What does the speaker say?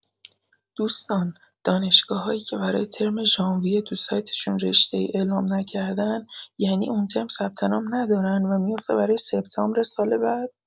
دوستان، دانشگاه‌‌هایی که برای ترم ژانویه تو سایتشون رشته‌ای اعلام نکردن یعنی اون ترم ثبت‌نام ندارن و میوفته برای سپتامبر سال بعد؟